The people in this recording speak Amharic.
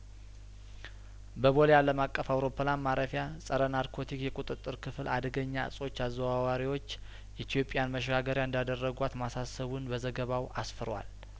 በቦሌ አለም አቀፍ አውሮፕላን ማረፊያጸረናርኮቲክ የቁጥጥር ክፍል አደገኛ እጾች አዘዋዋሪዎች ኢትዮጵያን መሸጋገሪያ እንዳደረጓት ማሳሰቡን በዘገባው አስፍሯል